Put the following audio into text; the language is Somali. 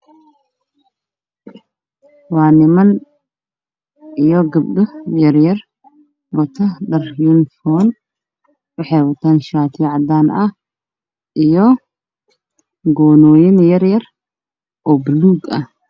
Waa niman iyo gabdho yaryar oo shaatiyo cadaan wato iyo goonooyin yaryar oo buluug ah